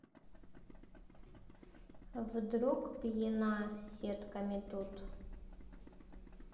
вдруг пьяна сетками тут